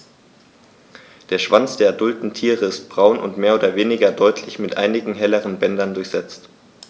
Der Schwanz der adulten Tiere ist braun und mehr oder weniger deutlich mit einigen helleren Bändern durchsetzt.